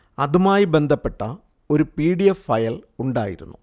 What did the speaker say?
അതുമായി ബന്ധപ്പെട്ട ഒരു പി ഡി എഫ് ഫയൽ ഉണ്ടായിരുന്നു